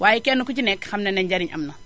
waaye kenn ku ci nekk xam na ne njariñ am na